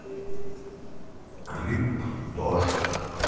клип дождь